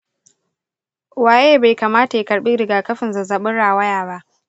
waye bai kamata ya karbi rigakafin zazzabin rawaya ba?